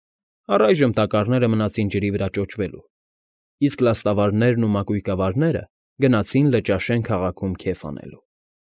Առայժմ տակառները մնացին ջրի վրա ճոճվելու, իսկ լաստավարներն ու մակույկավարները գնացին Լճաշեն քաղաքում քեֆ անելու։